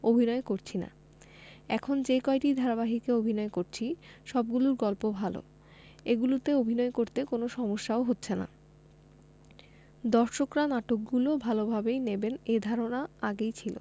অভিনয় করছি না এখন যে কয়টি ধারাবাহিকে অভিনয় করছি সবগুলোর গল্প ভালো এগুলোতে অভিনয় করতে কোনো সমস্যাও হচ্ছে না দর্শকরা নাটকগুলো ভালোভাবেই নেবেন এ ধারণা আগেই ছিল